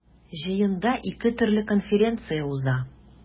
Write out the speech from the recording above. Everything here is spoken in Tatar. Җыенда ике төрле конференция уза.